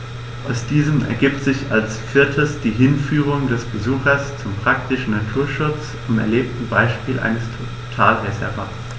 Aus diesen ergibt sich als viertes die Hinführung des Besuchers zum praktischen Naturschutz am erlebten Beispiel eines Totalreservats.